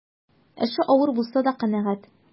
Эше авыр булса да канәгать.